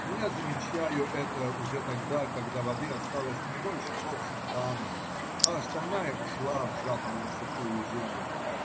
Но я замечаю это уже тогда, когда воды осталось не больше полстакана, а остальная ушла в жадную сухую землю.